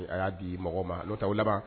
A y'a di mɔgɔ ma n'o ta laban